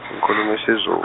ngikhulim' isiZu-.